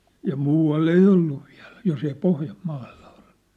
ja muualla ei ollut vielä jos ei Pohjanmaalla ollut